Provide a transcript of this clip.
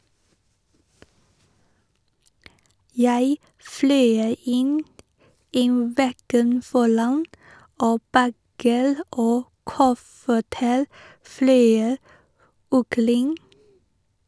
Jeg fløy inn i veggen foran, og bager og kofferter fløy omkring.